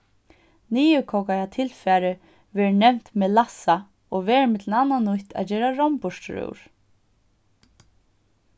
niðurkókaða tilfarið verður nevnt melassa og verður millum annað nýtt at gera romm burturúr